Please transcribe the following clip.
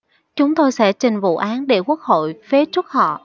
chúng tôi sẽ trình vụ án để quốc hội phế truất họ